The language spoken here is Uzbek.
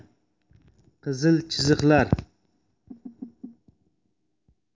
qizil chiziqlar